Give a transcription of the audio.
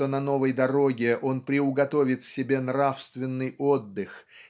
что на новой дороге он приуготовит себе нравственный отдых